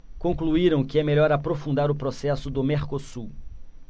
concluíram que é melhor aprofundar o processo do mercosul